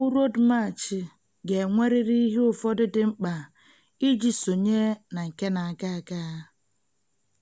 Egwu Road March ga-enwerịrị ihe ụfọdụ dị mkpa iji sonye na nke ga-aga aga: